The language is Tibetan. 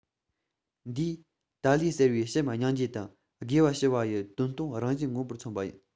འདིས ཏཱ ལའི ཟེར བའི བྱམས སྙིང རྗེ དང དགེ བ ཞི བ ཡི དོན སྟོང རང བཞིན མངོན པར མཚོན པ ཡིན